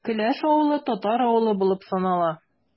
Келәш авылы – татар авылы булып санала.